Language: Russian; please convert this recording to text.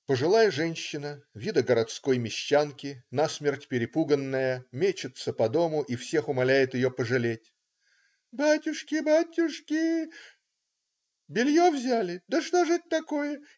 Пожилая женщина вида городской мещанки, насмерть перепуганная, мечется по дому и всех умоляет ее пожалеть. "Батюшки! батюшки! белье взяли. Да что же это такое!